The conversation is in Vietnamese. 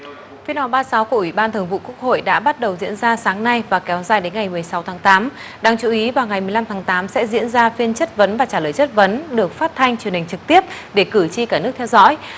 phiên họp ba sáu của ủy ban thường vụ quốc hội đã bắt đầu diễn ra sáng nay và kéo dài đến ngày mười sáu tháng tám đáng chú ý vào ngày mười lăm tháng tám sẽ diễn ra phiên chất vấn và trả lời chất vấn được phát thanh truyền hình trực tiếp để cử tri cả nước theo dõi